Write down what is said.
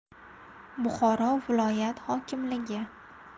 buxoro viloyat hokimligi